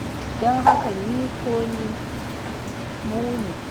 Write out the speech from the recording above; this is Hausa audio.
“Don haka ni ku ne, mu ne.